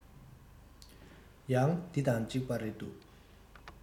ཡང འདི དང ཅིག པ རེད འདུག